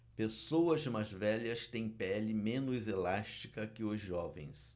pessoas mais velhas têm pele menos elástica que os jovens